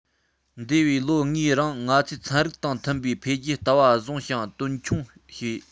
འདས པའི ལོ ལྔའི རིང ང ཚོས ཚན རིག དང མཐུན པའི འཕེལ རྒྱས ལྟ བ བཟུང ཞིང དོན འཁྱོལ བྱས